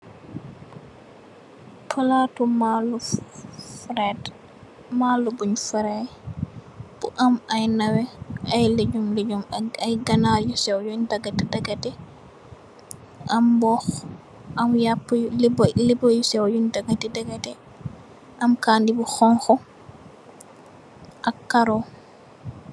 Palati maloo fried maloo bung fry bu am ay nawex ay legume legum ak ay ganarr yu sew yung dagate dagate am mboxu am yapp lepa yu sew yung dagate dagate am kani bu xonxu am carro.